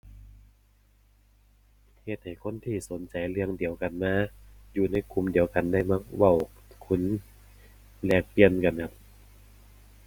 เฮ็ดให้คนที่สนใจเรื่องเดียวกันมาอยู่ในกลุ่มเดียวกัน ได้มาเว้าทุกคน แลกเปลี่ยนกันครับ